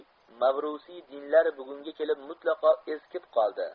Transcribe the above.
mavrusiy dinlar bugunga kelib mutlaqo eskib qoldi